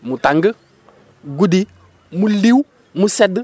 mu tàng guddi mu liw mu sedd